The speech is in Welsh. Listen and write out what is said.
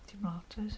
Dim lot oes